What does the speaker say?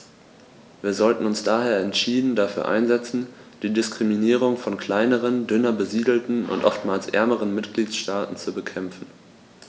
Wir sollten uns daher entschieden dafür einsetzen, die Diskriminierung von kleineren, dünner besiedelten und oftmals ärmeren Mitgliedstaaten zu bekämpfen.